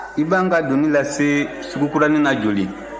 i b'an ka doni lase sugukuranin na joli